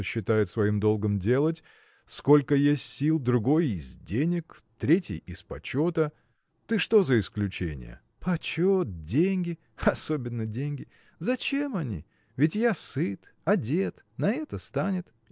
что считает своим долгом делать сколько есть сил другой из денег третий из почета. Ты что за исключение? – Почет, деньги! особенно деньги! Зачем они? Ведь я сыт, одет: на это станет.